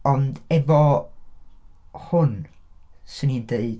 Ond efo hwn 'swn i'n dweud...